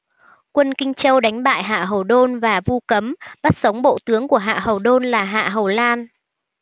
quân kinh châu đánh bại hạ hầu đôn và vu cấm bắt sống bộ tướng của hạ hầu đôn là hạ hầu lan